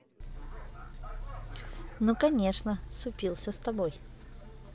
ну конечно супился с тобой